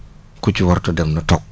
ku ci warut a dem na toog